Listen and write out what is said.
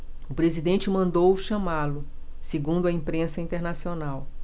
o presidente mandou chamá-lo segundo a imprensa internacional